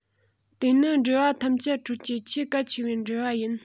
དེ ནི འབྲེལ བ ཐམས ཅད ཁྲོད ཀྱི ཆེས གལ ཆེ བའི འབྲེལ བ ཡིན